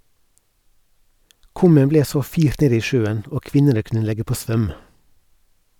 Kummen ble så firt ned i sjøen, og kvinnene kunne legge på svøm.